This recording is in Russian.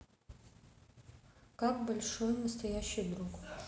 как большой настоящий друг